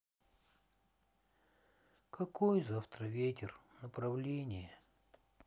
какой завтра ветер направление